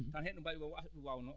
tan eɗen mbaawi wiide o waahi ɗum waawnoo